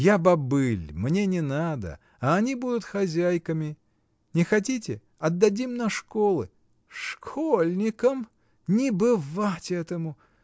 Я бобыль, мне не надо, а они будут хозяйками. Не хотите, отдадим на школы. — Школьникам! Не бывать этому!